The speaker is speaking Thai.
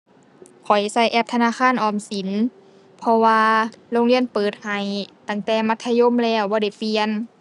ข้อยใช้แอปธนาคารออมสิน เพราะว่าโรงเรียนเปิดให้ตั้งแต่มัธยมแล้ว บ่ได้เปลี่ยน